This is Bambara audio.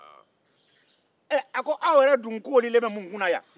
a ko aw yɛrɛ dun koorilen bɛ mun kunna yan